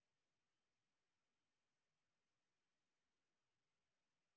маленькие сказочные подруги